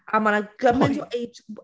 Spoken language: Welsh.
A mae 'na gymaint o age... Pwy?